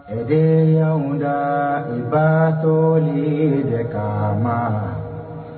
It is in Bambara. Muda i batɔ le de ka